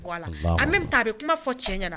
Ta a bɛ kuma fɔ cɛ ɲɛna